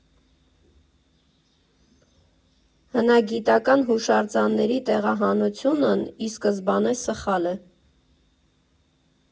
Հնագիտական հուշարձանների տեղահանությունն ի սկզբանե սխալ է.